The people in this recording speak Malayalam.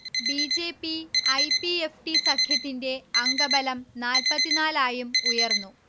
B. J. P. - I. P. FT. സഖ്യത്തിന്റെ അംഗബലം നാല്പത്തിനാലായും ഉയർന്നു